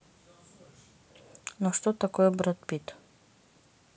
ну что такое брэд питт